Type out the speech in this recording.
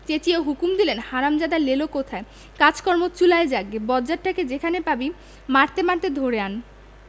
চেঁচিয়ে হুকুম দিলেন হারামজাদা লেলো কোথায় কাজকর্ম চুলোয় যাক গে বজ্জাতটাকে যেখানে পাবি মারতে মারতে ধরে আন্